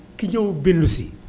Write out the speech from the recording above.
ki ñëw bindu si